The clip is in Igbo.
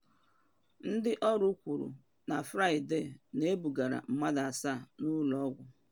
Ndị ọrụ kwuru na Fraịde na ebugala mmadụ asaa n’ụlọ ọgwụ.